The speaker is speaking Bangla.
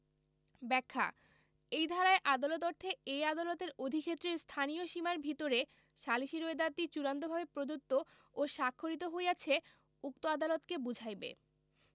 ব্যাখ্যা এই ধারার আদালত অর্থে এই আদালতের অধিক্ষেত্রের স্থানীয় সীমার ভিতরে সালিসী রোয়েদাদটি চূড়ান্তভাবে প্রদত্ত ও স্বাক্ষরিত হইয়াছে উক্ত আদলতকে বুঝাইবে